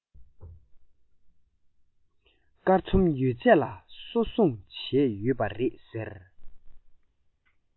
སྐར ཚོམ ཡོད ཚད ལ སོ སྲུང བྱས ཡོད པ རེད ཟེར